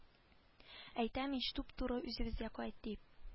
Әйтәм ич туп-туры үзебезгә кайт дип